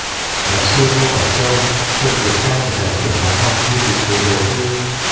giáo sư ngô bảo châu từng được trao nhiều giải thưởng toán học uy tín thế giới như